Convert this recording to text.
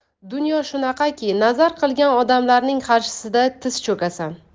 dunyo shunaqaki hazar qilgan odamlaring qarshisida tiz cho'kasan